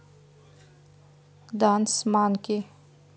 данс манки